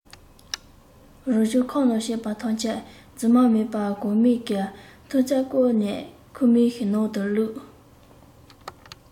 རང བྱུང ཁམས ནང སྐྱེས པ ཐམས ཅད རྫུན མ མིན པར གོ མིག གིས མཐོང ཚད བརྐོས ནས ཁུག མའི ནང དུ བླུགས